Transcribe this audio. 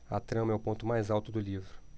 a trama é o ponto mais alto do livro